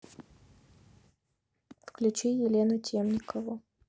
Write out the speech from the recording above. включи елену темникову